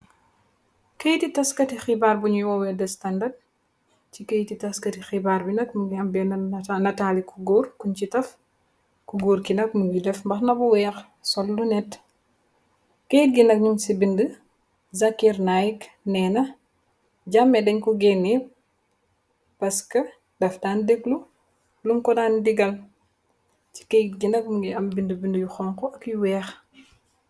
Këyti taskati xibaar bunyu wowè da standard ci këtyti taskati xibaar bi nak mungi am natali ku goor kunj ci taf ku goor ki nak mungi def mbahana bu weex sol lunete këyt b nak nyung ci bindeu zakar nayk nena jammeh denj ko geneh paskeh daf dan deglu lunj kadan digal Keyt bi nak mungi am bindeu yu xonxu